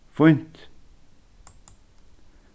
fínt